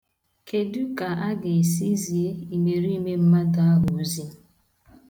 Kedụ ka a ga-esi zie imerime mmadụ ahụ ozi?